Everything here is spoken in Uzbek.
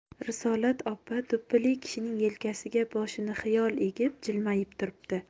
risolat opa do'ppili kishining yelkasiga boshini xiyol egib jilmayib turibdi